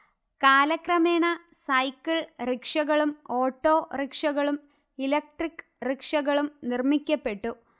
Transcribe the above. കാലക്രമേണ സൈക്കിൾ റിക്ഷകളും ഓട്ടോറിക്ഷകളും ഇലക്ട്രിക് റിക്ഷകളും നിർമ്മിക്കപ്പെട്ടു